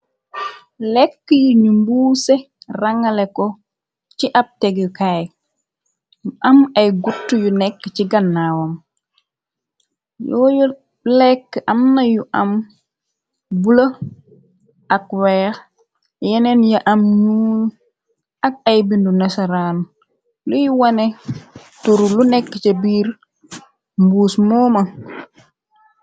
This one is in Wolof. Lekk yi ñu mbuuse rangale ko ci ab tegu kaay am ay gutt yu nekk ci gannaawam yooyu blekk amna yu am bula ak weex yeneen ya am ñun ak ay bindu nesaraan luy wone turu lu nekk ca biir mbuus mooma.